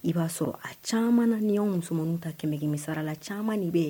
I b'a sɔrɔ a caman ni anw musomaniw ta 100 100 sara la a cama de bɛ ye